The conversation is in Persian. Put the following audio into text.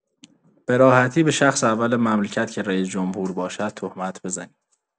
به راحتی به شخص اول مملکت که رئیس‌جمهور باشد تهمت بزنیم